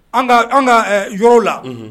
An ka yɔrɔw la